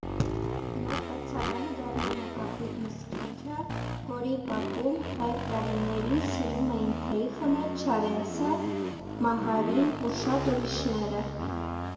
Նոր կացարանը դառնում է Կապույտ մզկիթը, որի բակում այդ տարիներին սիրում էին թեյ խմել Չարենցը, Մահարին ու շատ ուրիշները։